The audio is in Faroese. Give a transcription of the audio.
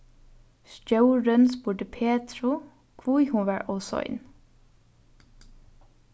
stjórin spurdi petru hví hon var ov sein